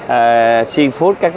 ờ si phút các